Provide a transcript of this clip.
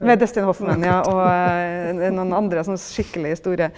med Dustin Hoffman ja og noen andre sånn skikkelig store.